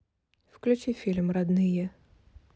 включи фильм родные